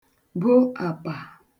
bo àpà